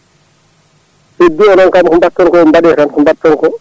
heddi onon kam ko batten ko mbaɗe tan ko mbatton ko